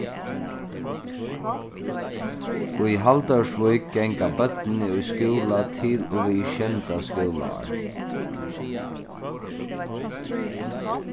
í haldórsvík ganga børnini í skúla til og við sjeynda skúlaár